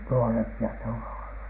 nuorempia ne on olleet